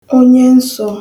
onyensọ̄